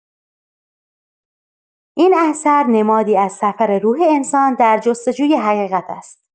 این اثر نمادی از سفر روح انسان در جست‌وجوی حقیقت است.